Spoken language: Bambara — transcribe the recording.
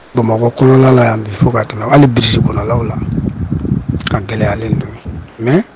Bamakɔ kɔnɔnala yan fo ka taa hali brousse kɔnɔlaw la,a gɛlɛyalen don mais